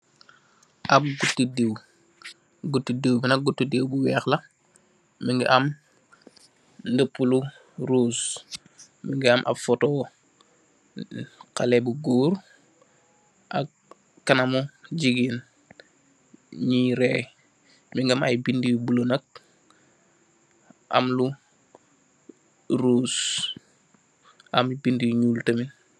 Ab guttu diw, guttu diw bi nak guttu diw bu wèèx la mugii am ndapu lu ruus, mugii am ab foto xalèh bu gór ak kanam jigeen ñi ree, mugii am bindé yu bula nak am lu ruus am bindé yu ñuul tamit.